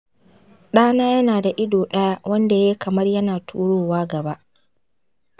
ɗana yana da ido ɗaya wanda yayi kamar yana turowa gaba.